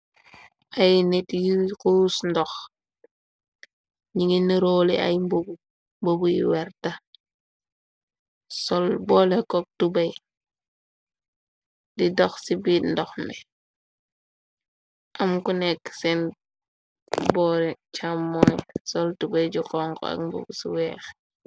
Ay nit yi xuus ndox ñi ngi nërooli ay mbub bobuy werta. Sol boole kok tubay di dox ci biit ndox mi am ku nekk seen boori càmmooy. Sol tubay ju konko ak mbub si weex.